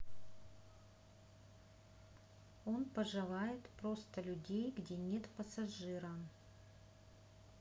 он пожелает просто людей где нет пассажира